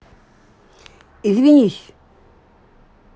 извинись